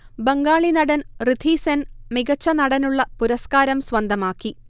ബംഗാളി നടൻ ഋഥീസെൻ മികച്ച നടനുള്ള പുരസ്ക്കാരം സ്വന്തമാക്കി